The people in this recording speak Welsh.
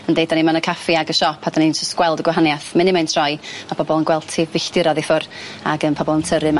Yndi 'da ni yma yn y caffi ag y siop a do'n i'n jyst gweld y gwahaniath munud mai'n troi a bobol yn gwelt hi filltir i ffwr' ag yn pobol yn tyrru yma.